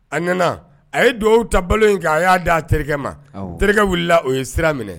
A nana a ye dugaw ta balo in kan a y'a d di a terikɛ ma terikɛ wulila o ye sira minɛ